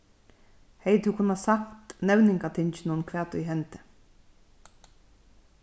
hevði tú kunna sagt nevningatinginum hvat ið hendi